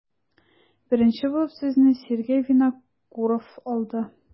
Беренче булып сүзне Сергей Винокуров алды.